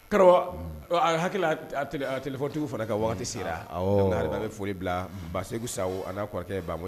Karamɔgɔ a hakili afɔtigiw fana ka waati sera nka yɛrɛda bɛ foli bila ba segu sa ani'a kɔrɔkɛ ba